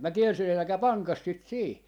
minä kielsin älkää panko sitä siihen